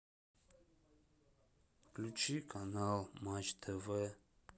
включи канал матч тв